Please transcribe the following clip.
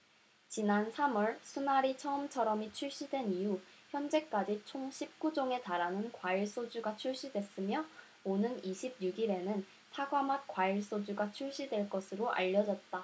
지난 삼 월 순하리 처음처럼이 출시된 이후 현재까지 총 십 구 종에 달하는 과일소주가 출시됐으며 오는 이십 육 일에는 사과맛 과일소주가 출시될 것으로 알려졌다